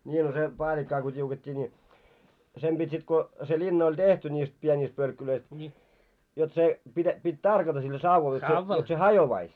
niin no se paalikkaa kun tiukettiin niin sen piti sitten kun se linna oli tehtiin niistä pienistä pölkkylöistä jotta se - piti tarkata sillä sauvalla jotta se jotta se hajoaisi